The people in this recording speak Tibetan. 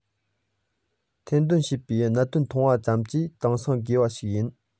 ཐེར འདོན བྱས པའི གནད དོན མཐོང བ ཙམ གྱིས ཧང སངས དགོས པ ཞིག རེད